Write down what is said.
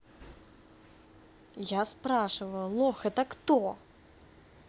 я спрашиваю лох это кто